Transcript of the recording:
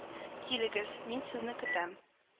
Килегез, мин сезне көтәм